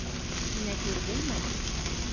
Менә күрдеңме?